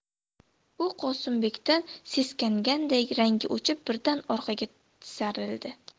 u qosimbekdan seskanganday rangi o'chib birdan orqaga tisarildi